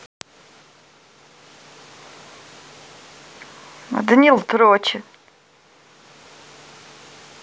а даниил дрочит